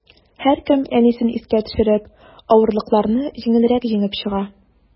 Һәркем, әнисен искә төшереп, авырлыкларны җиңелрәк җиңеп чыга.